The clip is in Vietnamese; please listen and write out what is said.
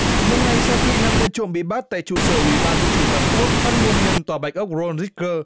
một ngày sau khi năm tên trộm bị bắt tại trụ sở ủy ban dân chủ toàn quốc phát ngôn nhân tòa bạch ốc rôn rích cơ